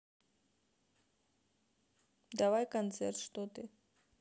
давай концерт что ты